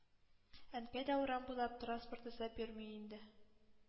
Әнкәй дә урам буйлап транспорт эзләп йөрми инде.